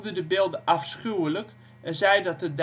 de beelden " afschuwelijk " en zei dat de